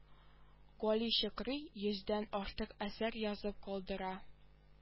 Гали чокрый йөздән артык әсәр язып калдыра